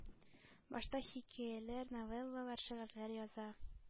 Башта хикәяләр, новеллалар, шигырьләр яза.